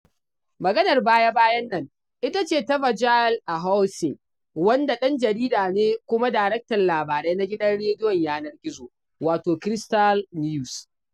Maganar baya-baya nan ita ce ta Virgile Ahouansè, wanda ɗan jarida ne kuma daraktan labarai na gidan rediyon yanar gizo, wato Crystal News.